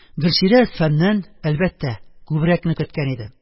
Гөлчирә Әсфаннан, әлбәттә, күбрәкне көткән иде